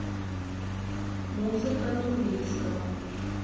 музыка нурминского